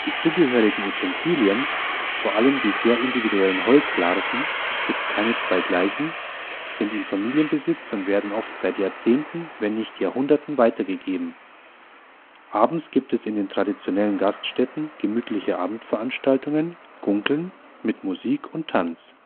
zugehörigen Utensilien, vor allem die sehr individuellen Holzlarven (es gibt keine zwei gleichen), sind in Familienbesitz und werden oft seit Jahrzehnten, wenn nicht Jahrhunderten weitergegeben. Abends gibt es in den traditionellen Gaststätten gemütliche Abendveranstaltungen (Gungeln) mit Musik und Tanz